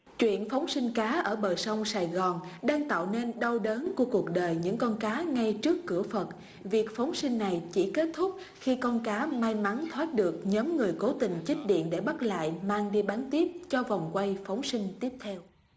chuyện phóng sinh cá ở bờ sông sài gòn đang tạo nên đau đớn của cuộc đời những con cá ngay trước cửa phật việc phóng sinh này chỉ kết thúc khi con cá may mắn thoát được nhóm người cố tình chích điện để bắt lại mang đi bán tiếp cho vòng quay phóng sinh tiếp theo